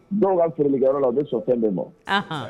Dɔw ka fieerelikɛyɔrɔ la u bɛ sɔn fɛn bɛɛ ma, anhan